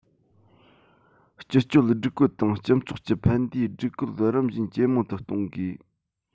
སྤྱི སྤྱོད སྒྲིག བཀོད དང སྤྱི ཚོགས ཀྱི ཕན བདེའི སྒྲིག བཀོད རིམ བཞིན ཇེ མང དུ གཏོང དགོས